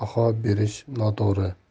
baho berish noto'g'ri